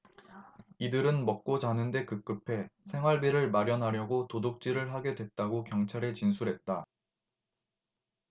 이들은 먹고 자는데 급급해 생활비를 마련하려고 도둑질을 하게 됐다고 경찰에 진술했다